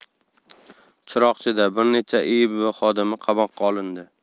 chiroqchida bir necha iib xodimi qamoqqa olindi